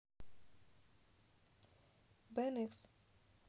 ben x